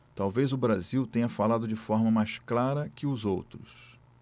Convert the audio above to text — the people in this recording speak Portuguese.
talvez o brasil tenha falado de forma mais clara que os outros